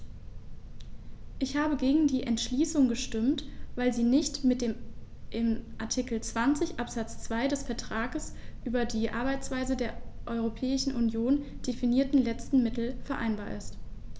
Ich habe gegen die Entschließung gestimmt, weil sie nicht mit dem in Artikel 20 Absatz 2 des Vertrags über die Arbeitsweise der Europäischen Union definierten letzten Mittel vereinbar ist.